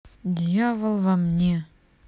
дьявол во мне